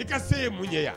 I ka se ye mun ye yan